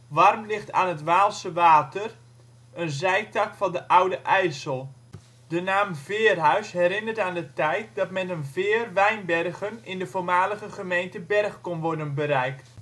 Warm ligt aan het Waalse Water, een zijtak van de Oude IJssel. De naam Veerhuis herinnert aan de tijd dat met een veer Wijnbergen in de voormalige gemeente Bergh kon worden bereikt